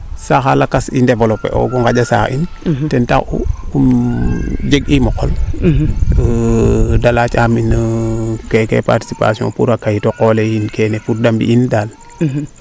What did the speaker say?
saxaa lakas i Developper oogu ngaƴa saax in ten tax u im jeg iim o qol de laac aam participation pour a kayit o qol le yiin keene pour de mbi'in daal